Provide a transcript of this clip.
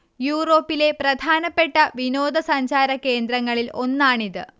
യൂറോപ്പിലെ പ്രധാനപ്പെട്ട വിനോദ സഞ്ചാര കേന്ദ്രങ്ങളിൽ ഒന്നാണിത്